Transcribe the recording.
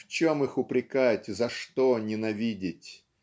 В чем их упрекать, за что ненавидеть?